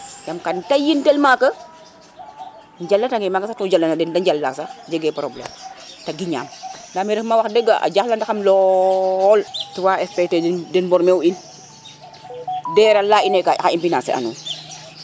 yaam kam tayin tellement que jala tange maga sax to de njala sax jege probleme te giñam nda me refma wax deg a jaxala nda xam lool 3 Fpt den mborme u in Der a leye ine xan financer anuun